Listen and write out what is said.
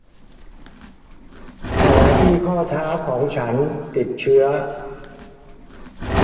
แผลที่ข้อเท้าของฉันติดเชื้อ